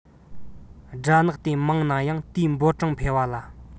སྦྲང ནག དེ མང ན ཡང དེའི འབོར གྲངས འཕེལ བ ལ